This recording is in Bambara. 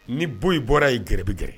Ni boyi bɔra ye gɛrɛ bɛ gɛɛrɛ.